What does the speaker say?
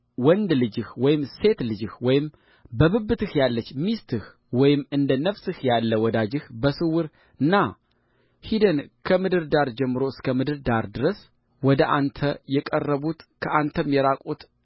ልጅ ወንድምህ ወይም ወንድ ልጅህ ወይም ሴት ልጅህ ወይም በብብትህ ያለች ሚስትህ ወይም እንደ ነፍስህ ያለ ወዳጅህ በስውር ና ሄደን ከምድር ዳር ጀምሮ እስከ ምድር ዳር ድረስ ወደ አንተ የቀረቡት ከአንተም የራቁት